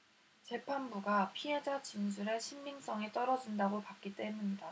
재판부가 피해자 진술의 신빙성이 떨어진다고 봤기 때문이다